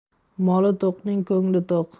moli to'qning ko'ngli to'q